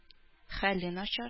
Хәле начар